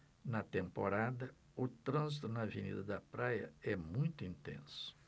na temporada o trânsito na avenida da praia é muito intenso